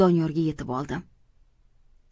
doniyorga yetib oldim